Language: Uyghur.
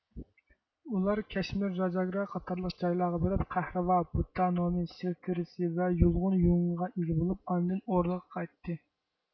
ئۇلار كەشمىر راجاگرا قاتارلىق جايلارغا بېرىپ قەھرىۋا بۇددا نومى شىر تېرىسى ۋە يۇلغۇن يۇڭىغا ئىگە بولۇپ ئاندىن ئوردىغا قايتتى